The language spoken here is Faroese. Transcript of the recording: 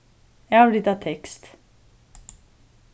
avrita tekst